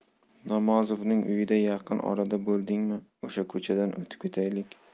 namozovning uyida yaqin orada bo'ldingmi o'sha ko'chadan o'tib ketaylik